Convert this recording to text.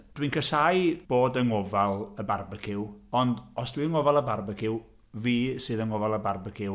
Dwi'n casàu bod yng ngofal y barbeciw. Ond os dwi yn ngofal y barbeciw, fi sydd yn ngofal y barbeciw